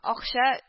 Акча